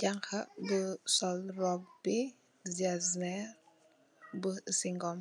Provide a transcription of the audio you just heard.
Janha bu sol robe gezner bu segum